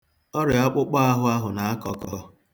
Ọrịa akpụkpọ ahụ na-akọ ọkọ.